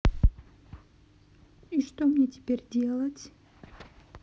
и что мне теперь делать